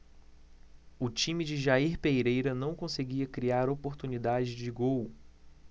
o time de jair pereira não conseguia criar oportunidades de gol